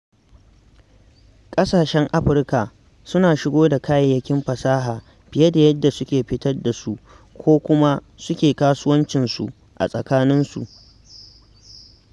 ƙasashen Afirka suna shigo da kayayyakin fasaha fiye da yadda suke fitar da su ko kuma suke kasuwancinsu a tsakaninsu.